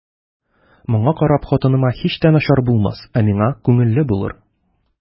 Моңа карап кына хатыныма һич тә начар булмас, ә миңа күңелле булыр.